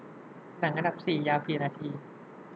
หนังอันดับสี่ยาวกี่นาที